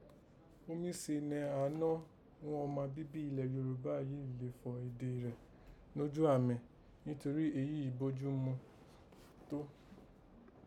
Ó mí se nẹ àánọ́ ghún ọma bíbí ilẹ̀ Yorùbá yí lè fọ̀ ède rẹ̀ nójú àmẹ̀n, nítorí èyí yí bójú ma to